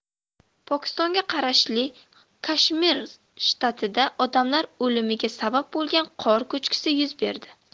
pokistonga qarashli kashmir shtatida odamlar o'limiga sabab bo'lgan qor ko'chkisi yuz berdi